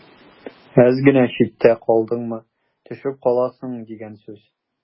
Әз генә читтә калдыңмы – төшеп каласың дигән сүз.